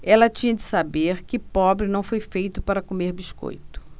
ela tinha de saber que pobre não foi feito para comer biscoito